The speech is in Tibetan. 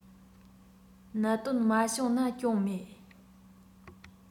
གནད དོན མ བྱུང ན སྐྱོན མེད